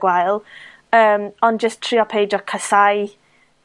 gwael, yym, ond jyst trio peidio casáu